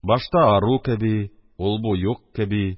Башта ару кеби, ул-бу юк кеби,